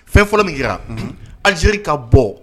Fɛn fɔlɔ min kɛra azri ka bɔ